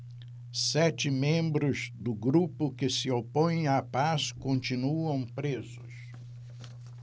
sete membros do grupo que se opõe à paz continuam presos